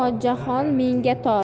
ammo jahon menga tor